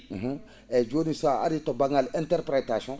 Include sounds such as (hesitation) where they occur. (hesitation) (hesitation) eyyi joni sa ari to banggal interprétation